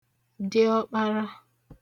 diọkpara